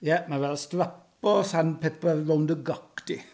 Ie, mae fel strapo sandpaper rownd dy goc di.